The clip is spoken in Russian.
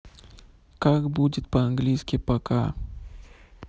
как будет по английски пока